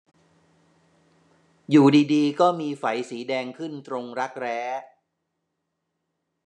อยู่ดีดีก็มีไฝสีแดงขึ้นตรงรักแร้